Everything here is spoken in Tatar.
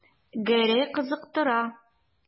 Гәрәй кызыктыра.